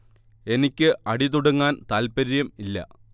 എനിക്ക് അടി തുടങ്ങാൻ താല്പര്യം ഇല്ല